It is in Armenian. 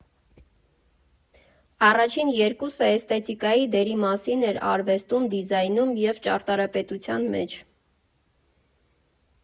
Առաջին երկուսը էսթետիկայի դերի մասին էր արվեստում, դիզայնում և ճարտարապետության մեջ։